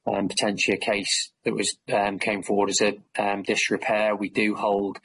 erm potentially a case that was erm- came forward as a erm disrepair, we do hold